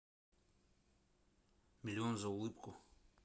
миллион за улыбку